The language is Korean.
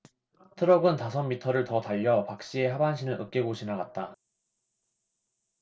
트럭은 다섯 미터를 더 달려 박씨의 하반신을 으깨고 지나갔다